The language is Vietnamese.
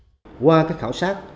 qua cái khảo sát